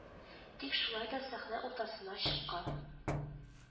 Тик шулай да сәхнә уртасына чыккан